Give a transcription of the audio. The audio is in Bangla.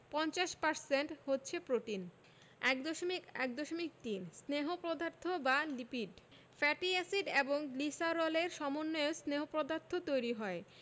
৫০% হচ্ছে প্রোটিন ১.১.৩ স্নেহ পদার্থ বা লিপিড ফ্যাটি এসিড এবং গ্লিসারলের সমন্বয়ে স্নেহ পদার্থ তৈরি হয়